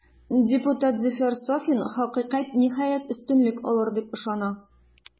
Депутат Зөфәр Сафин, хакыйкать, ниһаять, өстенлек алыр, дип ышана.